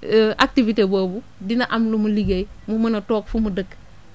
activité boobu dina am lu mu liggéey mu mun a toog fu mu dëkk